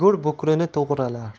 go'r bukrini to'g'rilar